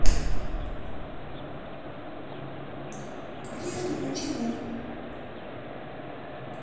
к ближнему чему